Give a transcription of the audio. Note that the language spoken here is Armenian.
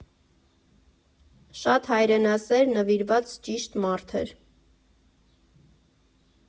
Շատ հայրենասեր, նվիրված, ճիշտ մարդ էր։